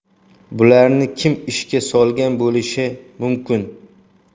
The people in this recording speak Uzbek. bularni kim ishga solgan bo'lishi mumkin